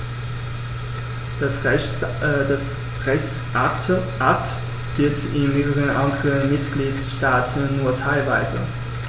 Der Rechtsakt gilt in mehreren anderen Mitgliedstaaten nur teilweise.